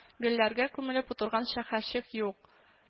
Гөлләргә күмелеп утырган шәһәрчек юк